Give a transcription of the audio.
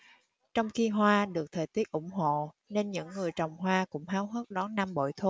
trong khi hoa được thời tiết ủng hộ nên những người trồng hoa cũng háo hức đón năm bội thu